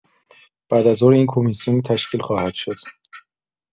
بعد از ظهر این کمیسیون تشکیل خواهد شد.